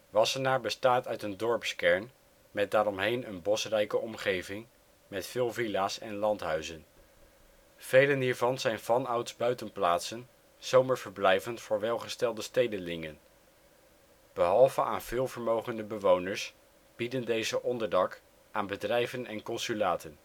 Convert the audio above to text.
Wassenaar bestaat uit een dorpskern met daaromheen een bosrijke omgeving met veel villa 's en landhuizen. Vele hiervan zijn vanouds buitenplaatsen, zomerverblijven voor welgestelde stedelingen. Behalve aan veel vermogende bewoners bieden deze onderdak aan bedrijven en consulaten